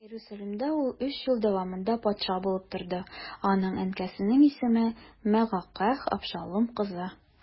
Иерусалимдә ул өч ел дәвамында патша булып торды, аның әнкәсенең исеме Мәгакәһ, Абшалум кызы.